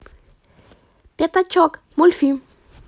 пятачок мультфильм